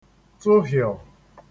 tụghịọ